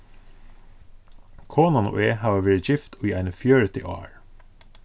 konan og eg hava verið gift í eini fjøruti ár